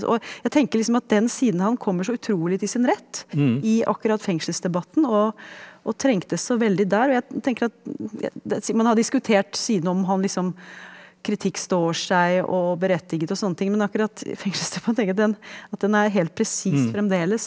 og jeg tenker liksom at den siden av han kommer så utrolig til sin rett i akkurat fengselsdebatten og og trengtes så veldig der, og jeg tenker at siden man har diskutert siden om han liksom kritikk står seg og berettiget og sånne ting men akkurat i fengseldebatten tenker jeg at den at den er helt presis fremdeles.